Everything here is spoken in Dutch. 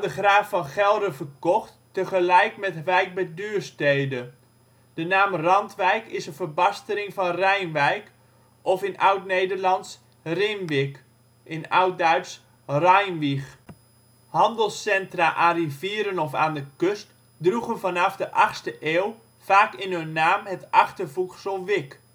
graaf van Gelre verkocht tegelijk met Wijk (Wick) (bij Duurstede). De naam Randwijk is een verbastering van ' Rijnwijk ' of in Oudnederlands ' Rinwic ' (in Oudduits: Reinwich). Handelscentra aan rivieren of aan de kust droegen vanaf de achtste eeuw vaak in hun naam het achtervoegsel - wic